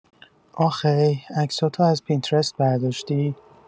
آخی عکساتو از پینترست برداشتی؟